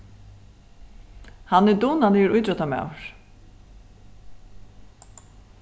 hann er dugnaligur ítróttamaður